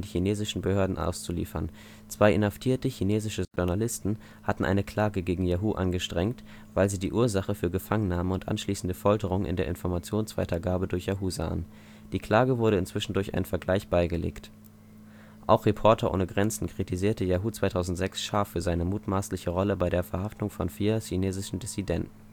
chinesischen Behörden auszuliefern. Zwei inhaftierte chinesische Journalisten hatten eine Klage gegen Yahoo angestrengt, weil sie die Ursache für Gefangennahme und anschließende Folterung in der Informationsweitergabe durch Yahoo sahen. Die Klage wurde inzwischen durch einen Vergleich beigelegt. Auch Reporter ohne Grenzen kritisierte Yahoo 2006 scharf für seine mutmaßliche Rolle bei der Verhaftung von vier chinesischen Dissidenten